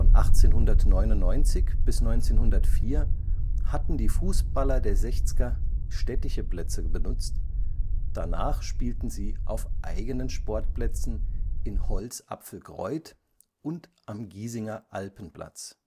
1899 bis 1904 hatten die Fußballer der Sechzger städtische Plätze benutzt, danach spielten sie auf eigenen Sportplätzen in Holzapfelkreuth und am Giesinger Alpenplatz